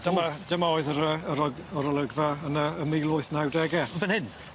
Dyma dyma oedd yr yy yr og- o'r olygfa yn yy y mil wyth nawdege. Fyn hyn?